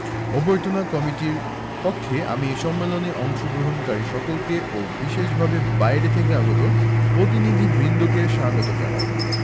অভ্যর্থনা কমিটির পক্ষে আমি এই সম্মেলনে অংশগ্রহণকারী সকলকে ও বিশেষভাবে বাইরে থেকে আগত প্রতিনিধিবৃন্দকে স্বাগত জানাই